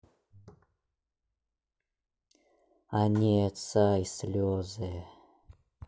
анет сай слезы